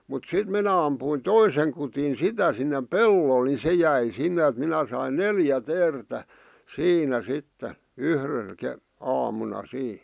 mutta sitten minä ammuin toisen kudin sitä sinne pellolle niin se jäi sinne että minä sain neljä teeriä siinä sitten yhdellä - aamuna siinä